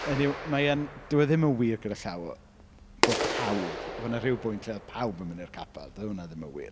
Hynny yw, mae e’n... Dyw e ddim yn wir gyda llaw bod pawb... bod 'na rhyw bwynt lle oedd pawb yn mynd i'r capel. Dyw hwnna ddim yn wir.